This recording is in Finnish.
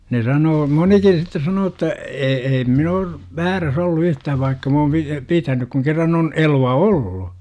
ne sanoo monikin sitten sanoo että - en minä ole väärässä ollut - yhtään vaikka minä olen - pitänyt kun kerran on elukka ollut